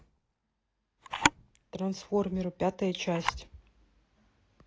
трансформеры пятая часть